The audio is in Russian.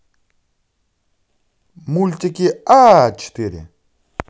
мультики а четыре